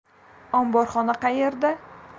omborxona qayerda